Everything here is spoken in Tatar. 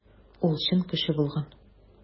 Ул чын кеше булган.